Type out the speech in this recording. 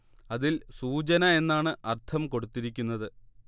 അതിൽ സൂചന എന്നാണ് അർത്ഥം കൊടുത്തിരിക്കുന്നത്